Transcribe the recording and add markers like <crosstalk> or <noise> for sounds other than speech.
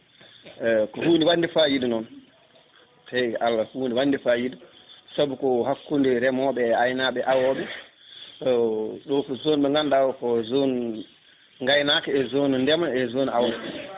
e ko hunde wande fayida noon tawi ko Allah ko hunde wande fayida saabu ko hakkude remoɓe e aynaɓe e awoɓe <hesitation> ɗo ko zone mo ganduɗa o ko zone gaynaka e zone ndeema e zone awo